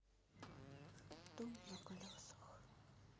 дом на колесах